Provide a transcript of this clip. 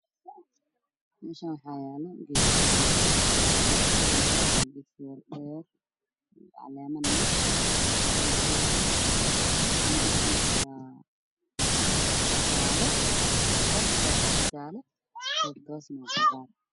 Meshaan waxaa yalo geed fiyoore ged fiyarahaani waa geed dheer caleeman eh geed fiyoraha misabkiisu waa jale qebta hore waa jaale qebta hose waa cadan